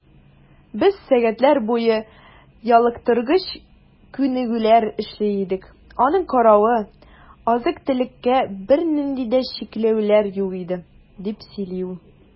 Без сәгатьләр буе ялыктыргыч күнегүләр эшли идек, аның каравы, азык-төлеккә бернинди дә чикләүләр юк иде, - дип сөйли ул.